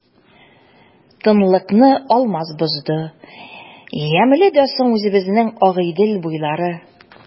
Тынлыкны Алмаз бозды:— Ямьле дә соң үзебезнең Агыйдел буйлары!